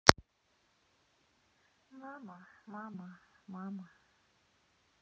мама мама мама